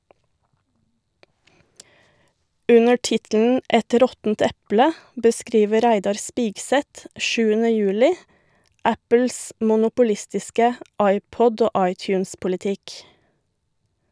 Under tittelen «Et råttent eple» beskriver Reidar Spigseth 7. juli Apples monopolistiske iPod- og iTunes-politikk.